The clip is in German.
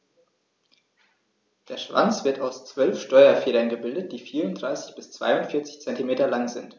Der Schwanz wird aus 12 Steuerfedern gebildet, die 34 bis 42 cm lang sind.